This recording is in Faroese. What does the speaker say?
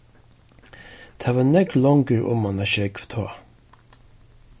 tað var nógv longri oman á sjógv tá